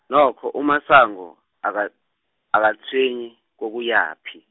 nokho uMasango, aka- akatshwenyi, kokuyaphi.